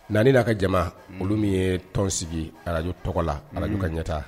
Na n'a ka jama olu min ye tɔn sigi arajo tɔgɔ la arajo ka ɲɛta